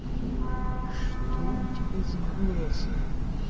что у тебя с голосом